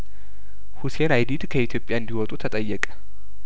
ሁሴን አይዲድ ከኢትዮጵያ እንዲወጡ ተጠየቀ